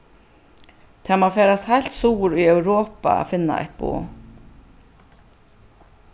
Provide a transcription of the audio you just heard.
tað má farast heilt suður í europa at finna eitt boð